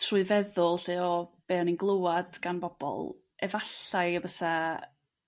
trwy feddwl 'lly o be' o'n i'n gl'wad gan bobol, efallai y bysa